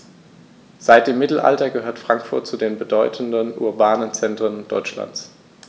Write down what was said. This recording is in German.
Seit dem Mittelalter gehört Frankfurt zu den bedeutenden urbanen Zentren Deutschlands.